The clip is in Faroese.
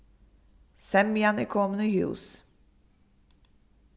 semjan er komin í hús